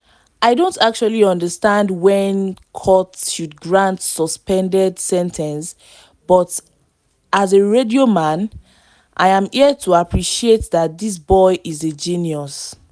I don’t actually understand when courts should grant suspended sentences but, as a radio man, I am here to appreciate that this boy is a genius.”